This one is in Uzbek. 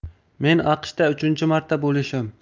men aqshda uchinchi marta bo'lishim